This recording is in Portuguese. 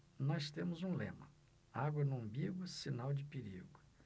nós temos um lema água no umbigo sinal de perigo